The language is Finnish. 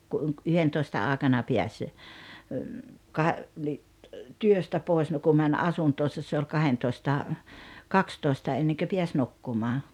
kun yhdentoista aikana pääsi - niin työstä pois no kun meni asuntoonsa se oli kahdentoista kaksitoista ennen pääsi nukkumaan